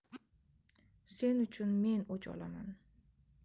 sen uchun men o'ch olaman